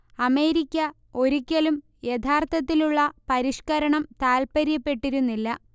America ഒരിക്കലും യഥാർത്ഥത്തിലുള്ള പരിഷ്കരണം താല്പര്യപ്പെട്ടിരുന്നില്ല